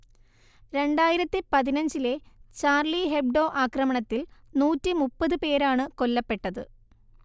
രണ്ടായിരത്തി പതിനഞ്ചിലെ Charlie Hebdo ആക്രമണത്തിൽ നൂറ്റി മുപ്പതു പേരാണ് കൊല്ലപ്പെട്ടത്